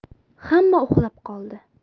hamma uxlab qoldi